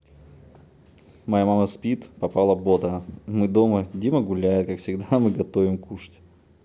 моя мама спит попала бота мы дома дима гуляет как всегда мы готовим кушать